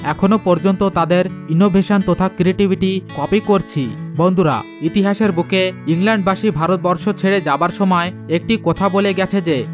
এখনো পর্যন্ত তাদের ইনোভেশন তথা ক্রিয়েটিভিটি কপি করছি বন্ধুরা ইতিহাসের বুকে ইংল্যান্ডবাসী ভারত বর্ষ ছেড়ে যাবার সময় একটি কথা বলে গেছে যে